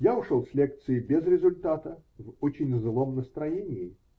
Я ушел с лекции без результата, в очень злом настроении.